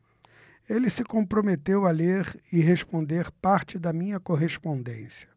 ele se comprometeu a ler e responder parte da minha correspondência